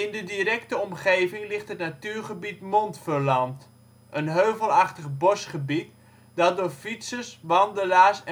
de directe omgeving ligt het natuurgebied Montferland, een heuvelachtig bosgebied dat door fietsers, wandelaars